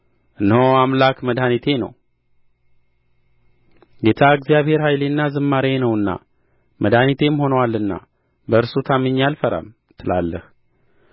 እነሆ አምላክ መድኃኒቴ ነው ጌታ እግዚአብሔር ኃይሌና ዝማሬዬ ነውና መድኃኒቴም ሆኖአልና በእርሱ ታምኜ አልፈራም ትላለህ